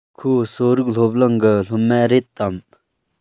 ཁོ གསོ རིག སློབ གླིང གི སློབ མ རེད དམ